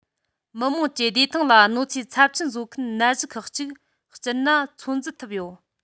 མི དམངས ཀྱི བདེ ཐང ལ གནོད འཚེ ཚབས ཆེན བཟོ མཁན ནད གཞི ཁག གཅིག སྤྱིར ན ཚོད འཛིན ཐུབ ཡོད